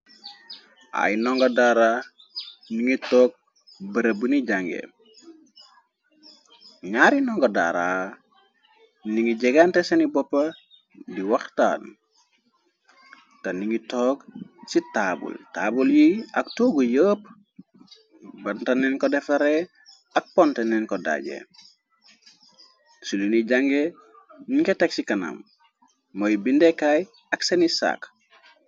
ay ndonra i oog bërëb jange ñaari nongo daara ni ngi jegante seni boppa di waxtaan te ningi toog ci taabul taabul yi ak tuugu yepp bantaneen ko defare ak pontenen ko daaje sulu ni jange ninga tag ci kanam mooy bindeekaay ak seni sàak